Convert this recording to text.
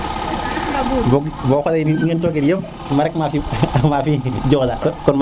bo xole ñi toog ñëp mafiy jola